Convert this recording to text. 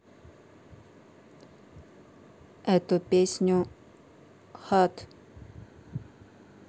это песню heart